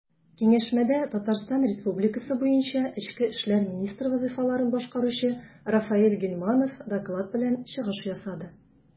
Киңәшмәдә ТР буенча эчке эшләр министры вазыйфаларын башкаручы Рафаэль Гыйльманов доклад белән чыгыш ясады.